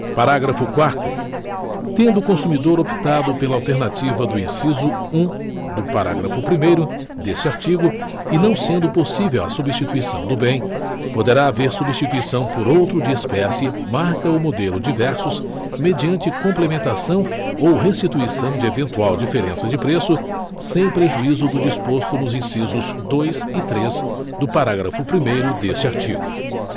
parágrafo quarto tendo o consumidor optado pela alternativa do inciso um do parágrafo primeiro deste artigo e não sendo possível a substituição do bem poderá haver substituição por outro de espécie marca ou modelo diversos mediante complementação ou restituição de eventual diferença de preço sem prejuízo do disposto nos incisos dois e três do parágrafo primeiro deste artigo